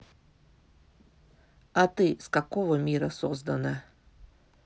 а ты с какого мира создана